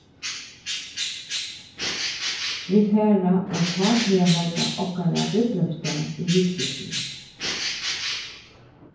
vit fara at hátíðarhalda okkara brúdleypsdag í vikuskiftinum